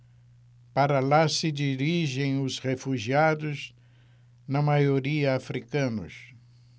para lá se dirigem os refugiados na maioria hútus